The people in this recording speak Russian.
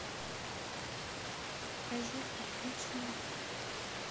розетка включена